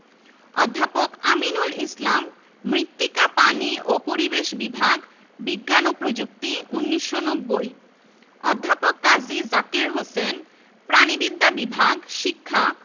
১৯৯১ সালে বাংলাদেশের মুক্তিযুদ্ধের ইতিহাস ছাড়াও বায়ান্নর মহান ভাষা দিবস ছেষট্টির স্বায়ত্তশাসন আন্দোলন